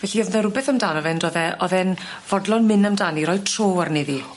Felly o'dd 'ny rwbeth amdano fe yndodd e o'dd e'n fodlon myn' amdani roi tro arni ddi.